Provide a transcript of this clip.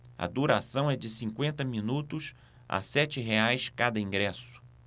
a duração é de cinquenta minutos a sete reais cada ingresso